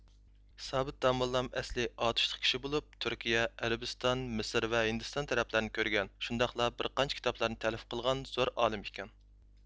سابىت داموللام ئەسلى ئاتۇشلۇق كىشى بولۇپ تۈركىيە ئەرەبىستان مىسىر ۋە ھىندىستان تەرەپلەرنى كۆرگەن شۇنداقلا بىر قانچە كىتابلارنى تەلىف قىلغان زور ئالىم ئىكەن